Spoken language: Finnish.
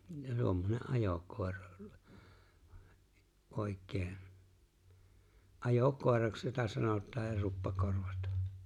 tuommoinen ajokoira oikein ajokoiraksi jota sanotaan ja luppakorvat